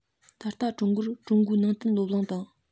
ད ལྟ ཀྲུང གོར ཀྲུང གོའི ནང བསྟན སློབ གླིང དང